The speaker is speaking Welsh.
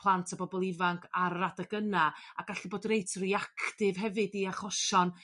plant a bobol ifanc ar yr adeg yna a gallu bod reit riactif hefyd i achosion